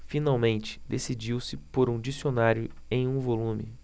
finalmente decidiu-se por um dicionário em um volume